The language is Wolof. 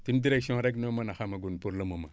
suñ direction rek ñoo mën a xamagum pour le moment